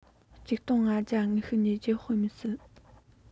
༡༥༢༨ དཔེ མི སྲིད